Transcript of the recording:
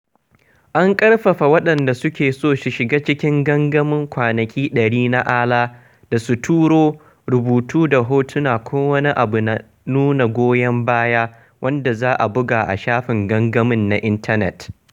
An ƙarfafawa waɗanda suke so su shiga cikin gangamin "kwanaki 100 na Alaa" da su turo "rubutu da hotuna ko wani abu na nuna goyon baya" wanda za a buga a shafin gangamin na intanet.